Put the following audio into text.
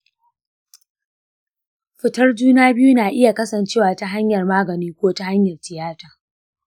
fitar juna biyu na iya kasancewa ta hanyar magani ko ta hanyar tiyata.